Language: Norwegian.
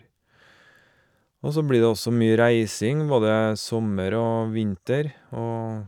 Og så blir det også mye reising, både sommer og vinter, og...